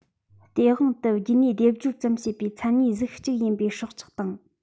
སྟེས དབང དུ རྒྱུད གཉིས སྡེབ སྦྱོར ཙམ བྱེད པའི མཚན གཉིས གཟུགས གཅིག ཡིན པའི སྲོག ཆགས དང